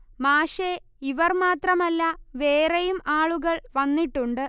മാഷെ ഇവർ മാത്രമല്ല വേറെയും ആളുകൾ വന്നിട്ടുണ്ട്